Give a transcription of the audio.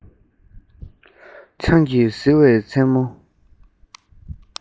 ཆང གིས བཟི བའི མཚན མོ